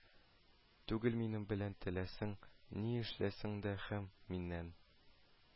Түгел, минем белән теләсәң ни эшләсәң дә һәм миннән